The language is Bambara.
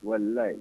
Walahi